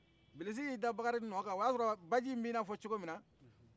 bilisi 'i da bakarijan nɔ kan o y'a sɔrɔ baji yin bɛ inafɔ cogomina